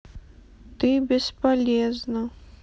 ты бесполезна